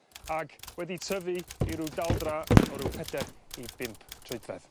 ag wedi tyfu i ryw daldra o rw peder i bump troedfedd.